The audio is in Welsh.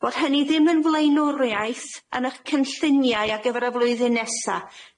bod hynny ddim yn flaenoriaeth yn 'ych cynlluniau ar gyfer y flwyddyn nesa.